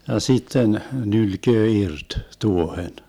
ja sitten nylkee irti tuohen